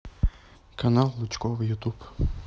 канал лучкова ютуб